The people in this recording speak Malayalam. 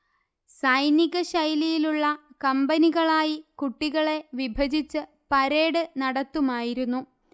സൈനികശൈലിയിലുള്ള കമ്പനികളായി കുട്ടികളെ വിഭജിച്ച് പരേഡ് നടത്തുമായിരുന്നു